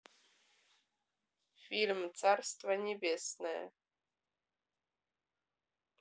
фильм царство небесное